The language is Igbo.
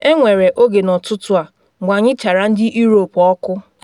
Enwere oge n’ụtụtụ a mgbe anyị chara ndị Europe ọkụ.